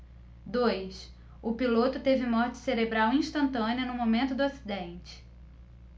dois o piloto teve morte cerebral instantânea no momento do acidente